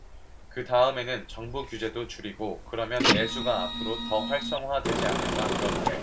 그 다음에는 정부 규제도 줄이고 그러면 내수가 앞으로 더 활성화되지 않을까 그런데